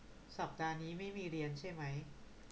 สัปดาห์นี้ไม่มีเรียนใช่ไหม